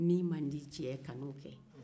min man di cɛ ye kana o kɛ